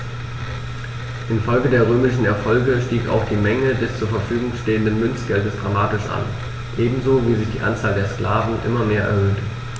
Infolge der römischen Erfolge stieg auch die Menge des zur Verfügung stehenden Münzgeldes dramatisch an, ebenso wie sich die Anzahl der Sklaven immer mehr erhöhte.